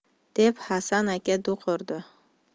deb hasan aka do'q urdi